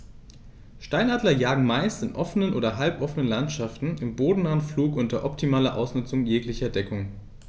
Steinadler jagen meist in offenen oder halboffenen Landschaften im bodennahen Flug unter optimaler Ausnutzung jeglicher Deckung.